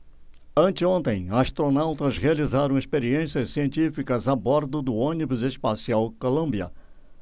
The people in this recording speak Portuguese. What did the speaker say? anteontem astronautas realizaram experiências científicas a bordo do ônibus espacial columbia